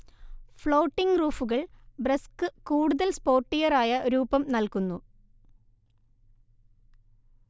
floating റൂഫുകൾ ബ്രെസ്ക്ക് കൂടുതൽ സ്പോർട്ടിയറായ രൂപം നൽകുന്നു